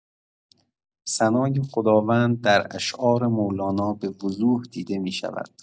ثنای خداوند در اشعار مولانا به‌وضوح دیده می‌شود.